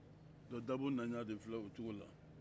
dɔnc dabo nana o cogo la